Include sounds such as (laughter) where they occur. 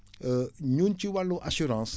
(hesitation) ñun ci wàllu assurance